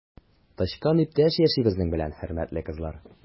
Тычкан иптәш яши безнең белән, хөрмәтле кызлар!